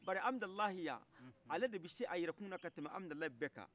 bari amidalayi yan ale de bi se a yɛrɛkuna ka tɛmɛ amidalayi bɛkan